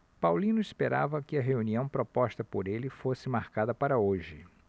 paulino esperava que a reunião proposta por ele fosse marcada para hoje